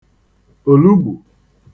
òlugbù